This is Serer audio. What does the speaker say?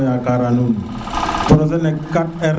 to yakara nuun projet ne 4R